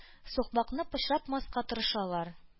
Сукмакны пычратмаска тырышалар.